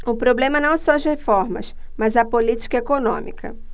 o problema não são as reformas mas a política econômica